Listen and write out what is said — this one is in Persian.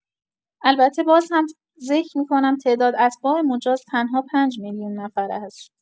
البته باز هم ذکر می‌کنم تعداد اتباع مجاز تنها ۵ میلیون نفر هست.